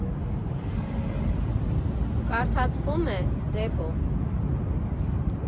Կարդացվում է «Դեպո»